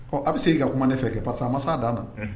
Ɔ a bɛ se' i ka kuma ne fɛ kɛ parce que a ma saa dan na unhun